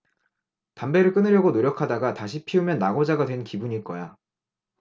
담배를 끊으려고 노력하다가 다시 피우면 낙오자가 된 기분일 거야